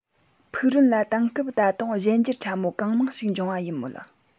ཕུག རོན ལ དེང སྐབས ད དུང གཞན འགྱུར ཕྲ མོ གང མང ཞིག འབྱུང བ ཡིན མོད